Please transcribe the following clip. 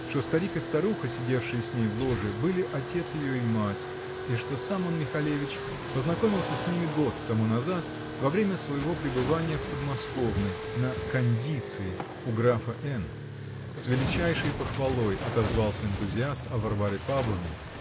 что старик и старуха, сидевшие с ней в ложе, были отец ее и мать и что сам он, Михалевич, познакомился с ними год тому назад, во время своего пребывания в подмосковной на "кондиции" у графа Н. С величайшей похвалой отозвался энтузиаст о Варваре Павловне.